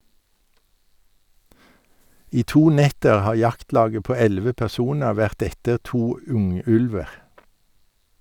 I to netter har jaktlaget på 11 personer vært etter to ungulver.